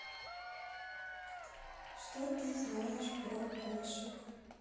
что ты знаешь про кошек